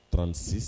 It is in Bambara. Transi